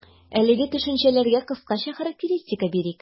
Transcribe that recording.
Әлеге төшенчәләргә кыскача характеристика бирик.